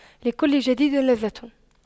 لكل جديد لذة